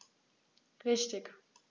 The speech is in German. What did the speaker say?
Richtig